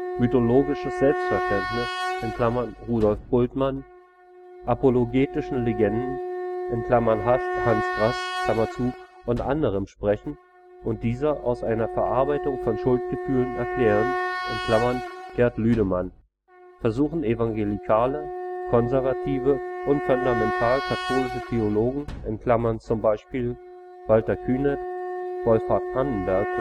mythologischem Selbstverständnis “(Rudolf Bultmann), „ apologetischen Legenden “(Hans Graß) u. a. sprechen und diese aus einer „ Verarbeitung von Schuldgefühlen “erklären (Gerd Lüdemann), versuchen evangelikale, konservative und fundamentalkatholische Theologen (z. B. Walter Künneth, Wolfhart Pannenberg